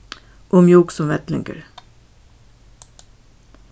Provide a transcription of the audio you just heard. og mjúk sum vellingur